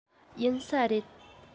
ཡིན ས རེད